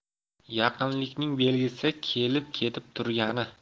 yaqinlikning belgisi kelib ketib turgani